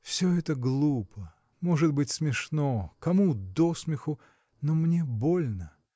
Все это глупо, может быть смешно, кому до смеху, – но мне больно!